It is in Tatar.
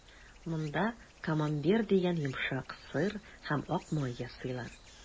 Монда «Камамбер» дигән йомшак сыр һәм ак май ясыйлар.